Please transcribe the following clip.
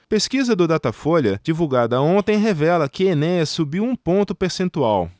pesquisa do datafolha divulgada ontem revela que enéas subiu um ponto percentual